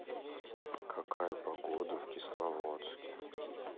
какая погода в кисловодске